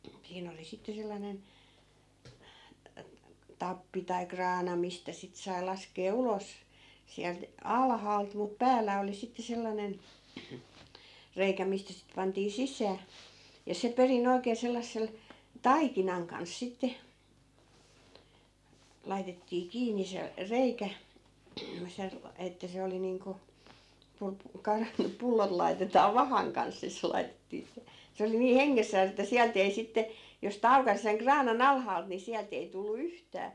siinä oli sitten sellainen tappi tai kraana mistä sitten sai laskea ulos sieltä alhaalta mutta päällä oli sitten sellainen reikä mistä sitten pantiin sisään ja se perin oikein sellaisen taikinan kanssa sitten laitettiin kiinni se reikä - että se oli niin kuin -- pullot laitetaan vahan kanssa niin se laitettiin se se oli niin hengessään että sieltä ei sitten jos sitten aukaisi sen kraanan alhaalta niin sieltä ei tullut yhtään